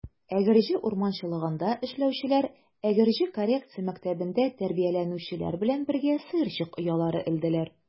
Әгерҗе урманчылыгында эшләүчеләр Әгерҗе коррекция мәктәбендә тәрбияләнүчеләр белән бергә сыерчык оялары элделәр.